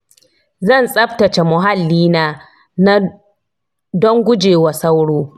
zan tsaftace muhallina na don gujewa sauro.